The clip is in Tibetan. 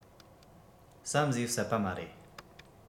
བསམ བཟོས བསད པ མ རེད